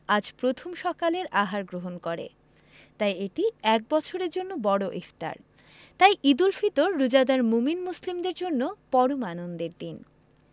আজ প্রথম সকালের আহার গ্রহণ করে তাই এটি এক বছরের জন্য বড় ইফতার তাই ঈদুল ফিতর রোজাদার মোমিন মুসলিদের জন্য পরম আনন্দের দিন